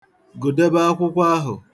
Gụdebe akwụkwọ ahụ!